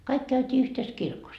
kaikki käytiin yhdessä kirkossa